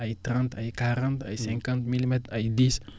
ay trente ay quarante ay cinquante milimètres ay dix